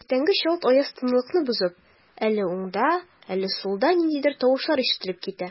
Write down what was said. Иртәнге чалт аяз тынлыкны бозып, әле уңда, әле сулда ниндидер тавышлар ишетелеп китә.